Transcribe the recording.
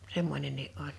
semmoinenkin oli